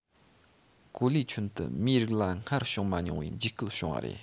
གོ ལའི ཁྱོན དུ མིའི རིགས ལ སྔར བྱུང མ མྱོང འཇིགས སྐུལ བྱུང བ རེད